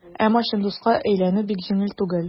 Әмма чын дуска әйләнү бик җиңел түгел.